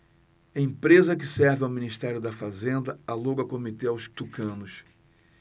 empresa que serve ao ministério da fazenda aluga comitê aos tucanos